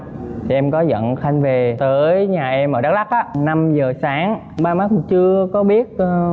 thì em có dẫn khanh về tới nhà em ở đắc lắc á năm giờ sáng ba má chưa có biết